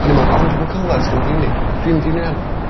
o'n i me'wl ond pobol clyfar sy ga'l mynd i uni. Dwi'n mynd i uni ŵan.